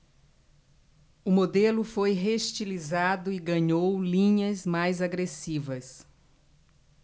o modelo foi reestilizado e ganhou linhas mais agressivas